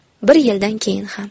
bir yildan keyin ham